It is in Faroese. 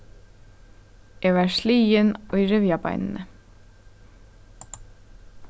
eg varð sligin í rivjabeinini